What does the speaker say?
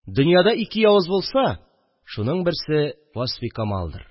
Дөньяда ике явыз булса – шуның берсе Васфикамалдыр